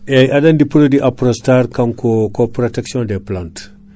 eyyi aɗa andi produit Aprostar kanko ko protection, des plantes